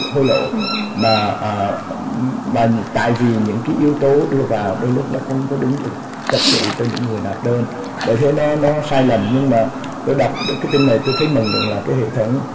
hối lộ mà à mà tại vì những cái yếu tố đưa vào đôi lúc nó không có đúng thật sự cho những người nộp đơn bởi thế nó nó sai lầm nhưng mà tôi đọc được cái tin này tôi thấy mừng rằng là cái hệ thống